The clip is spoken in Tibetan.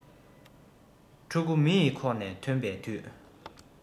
ཕྲུ གུ མ ཡི ཁོག ནས ཐོན པའི དུས